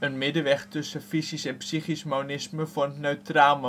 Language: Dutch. middenweg tussen fysisch en psychisch monisme vormt neutraal